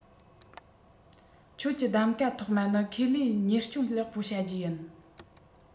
ཁྱོད ཀྱི གདམ ག ཐོག མ ནི ཁེ ལས གཉེར སྐྱོང ལེགས པོ བྱ རྒྱུ ཡིན